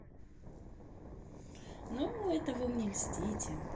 но это вы мне льстите